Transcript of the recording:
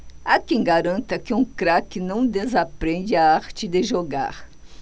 há quem garanta que um craque não desaprende a arte de jogar